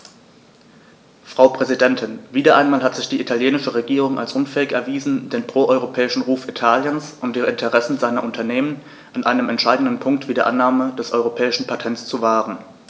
Frau Präsidentin, wieder einmal hat sich die italienische Regierung als unfähig erwiesen, den pro-europäischen Ruf Italiens und die Interessen seiner Unternehmen an einem entscheidenden Punkt wie der Annahme des europäischen Patents zu wahren.